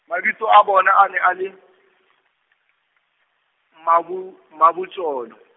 mabitso a bona a ne a le , Mmabo-, Mmabojolo.